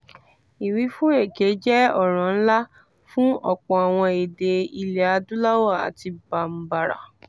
Ìwífún èké jẹ́ ọ̀ràn ńlá fún ọ̀pọ̀ àwọn èdè ilẹ̀ Adúláwọ̀ bíi Bambara.